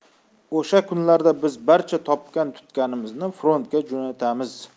o'sha kunlarda biz barcha topgan tutganimizni frontga jo'natamiz